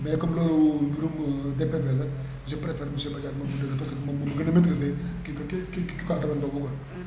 mais comme loolu mbirum DPV la je préfère monsieur Badiane moom mi nga parce que moom moo ma gën a maitriser kii bi kii quoi domaine boobu quoi